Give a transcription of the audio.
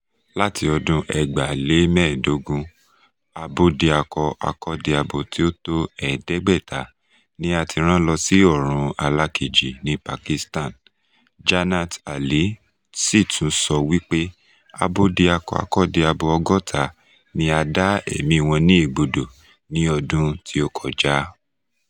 Láti ọdún 2015, abódiakọ-akọ́diabo tí ó tó 500 ni a ti rán lọ sí ọ̀run alakákeji ní Pakistan , Jannat Ali sì tún sọ wípé Abódiakọ-akọ́diabo 60 ni a dá ẹ̀mí wọn ní ẹ̀gbodò ní ọdún tí ó kọjá.